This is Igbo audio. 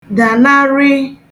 dànarị